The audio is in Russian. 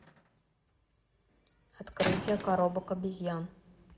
открытие коробок обезьян